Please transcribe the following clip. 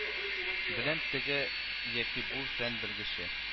Белән теге яки бу фән белгече